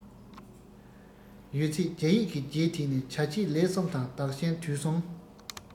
ཡོད ཚད རྒྱ ཡིག གི རྗེས དེད ནས བྱ བྱེད ལས གསུམ དང བདག གཞན དུས གསུམ